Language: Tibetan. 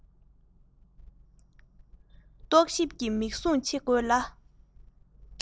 རྟོག ཞིབ ཀྱི མིག ཟུང ཕྱེ དགོས ལ